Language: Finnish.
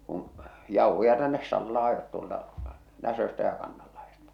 kun jauhoja tänne Sallaan ajoivat tuolta Näsöstä ja Kannanlahdesta